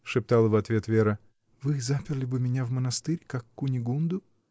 — шептала в ответ Вера, — вы заперли бы меня в монастырь, как Кунигунду?